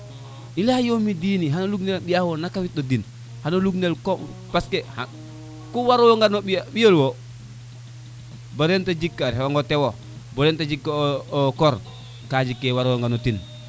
ila yowmi dini xano lumb nel xa ɓiya xe wo na kawit no den xano lug nel ko parce que ku waro nga no ɓoya nge wo bo neen te jeg ka arefa nga o tewo bo neen te jeg ka o kor ka jeg ke waronga no ten